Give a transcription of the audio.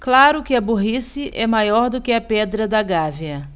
claro que a burrice é maior do que a pedra da gávea